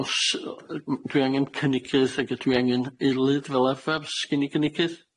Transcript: O's yy m- dwi angen cynigydd, ag 'ydw i angen eilydd fel arfer. Sgin i gynigydd?